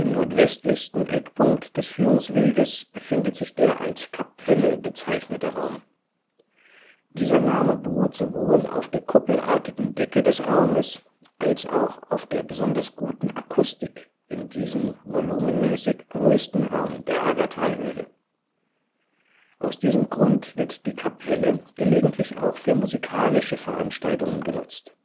nordwestlichsten Eckpunkt des Führungsweges befindet sich der als Kapelle bezeichnete Raum. Dieser Name beruht sowohl auf der kuppelartigen Decke des Raumes als auch auf der besonders guten Akustik in diesem volumenmäßig größten Raum der Aggertalhöhle. Aus diesem Grund wird die Kapelle gelegentlich auch für musikalische Veranstaltungen genutzt